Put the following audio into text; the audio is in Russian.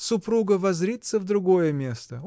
Супруга воззрится в другое место.